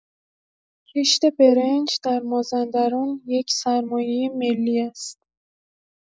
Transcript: کشت برنج در مازندران یک سرمایه ملی است.